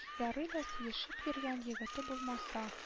Ярый ла сөешеп йөргән егете булмаса